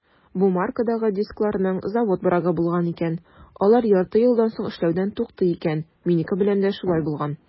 Бу маркадагы дискларның завод брагы булган икән - алар ярты елдан соң эшләүдән туктый икән; минеке белән дә шулай булган.